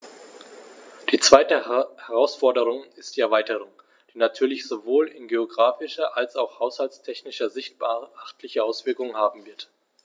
Die zweite Herausforderung ist die Erweiterung, die natürlich sowohl in geographischer als auch haushaltstechnischer Sicht beachtliche Auswirkungen haben wird.